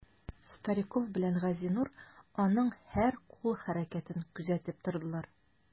Стариков белән Газинур аның һәр кул хәрәкәтен күзәтеп тордылар.